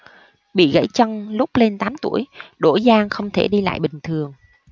bị gãy chân lúc lên tám tuổi đỗ giang không thể đi lại bình thường